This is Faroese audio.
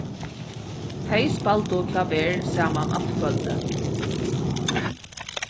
tey spældu klaver saman alt kvøldið